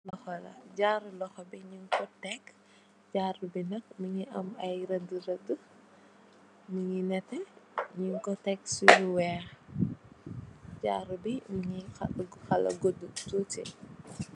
Jaru loxo la, jaru loxo bi ñing ko tèk, jaru bi nak mugii am ay redd redd ñu ngi netteh ñing ko tèk fu wèèx. Jaru bi mugii xawa guddu tutti.